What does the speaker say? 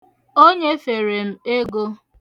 O nyefere m ego.